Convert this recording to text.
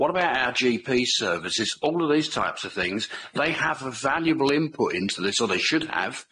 What about our Gee Pee services, all of these types of things, they have a valuable input into this, or they should have,